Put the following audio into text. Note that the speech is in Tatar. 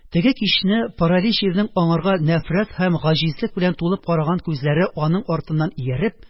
Теге кичне паралич ирнең аңарга нәфрәт һәм гаҗизлек белән тулып караган күзләре аның артыннан ияреп